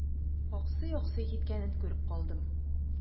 Аксый-аксый киткәнен күреп калдым.